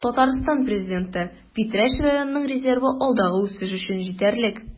Татарстан Президенты: Питрәч районының резервы алдагы үсеш өчен җитәрлек